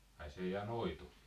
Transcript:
ai se ja noitui